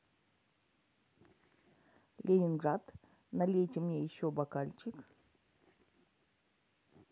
ленинград налейте мне еще бокальчик